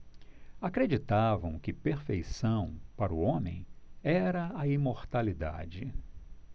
acreditavam que perfeição para o homem era a imortalidade